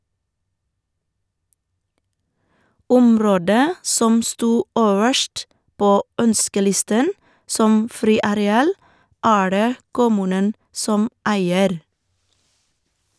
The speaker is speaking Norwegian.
Området som sto øverst på ønskelisten som friareal, er det kommunen som eier.